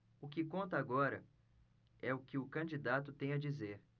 o que conta agora é o que o candidato tem a dizer